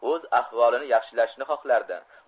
o'z ahvolini yaxshilashni xohlardi